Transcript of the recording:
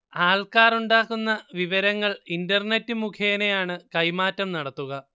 ആൾക്കാർ ഉണ്ടാക്കുന്ന വിവരങ്ങൾ ഇന്റർനെറ്റ് മുഖേനയാണ് കൈമാറ്റം നടത്തുക